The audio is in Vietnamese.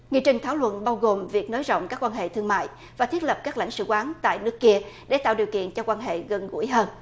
nghị trình thảo luận bao gồm việc nới rộng các quan hệ thương mại và thiết lập các lãnh sự quán tại nước kia để tạo điều kiện cho quan hệ gần gũi hơn